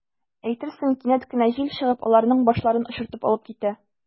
Әйтерсең, кинәт кенә җил чыгып, аларның “башларын” очыртып алып китә.